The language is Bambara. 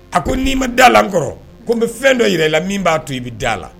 A ko n'i ma da la kɔrɔ ko n bɛ fɛn dɔ yɛrɛ la min b'a to i bɛ da la